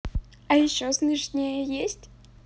а еще смешнее есть